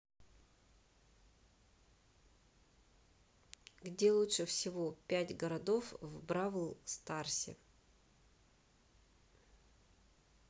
где лучше всего пять городов в бравл старсе